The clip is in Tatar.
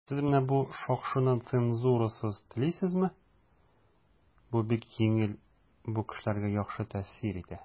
"сез менә бу шакшыны цензурасыз телисезме?" - бу бик җиңел, бу кешеләргә яхшы тәэсир итә.